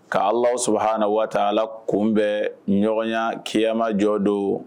Ka Ala subahana watala kunbɛn ɲɔgɔnya kiyama jɔn don.